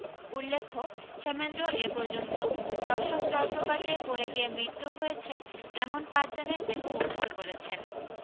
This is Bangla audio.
উল্লেখ্য হেমেন্দ্র এ পর্যন্ত দশম জলপ্রপাতে পড়ে গিয়ে মৃত্যু হয়েছে এমন পাঁচজনের দেহ উদ্ধার করেছেন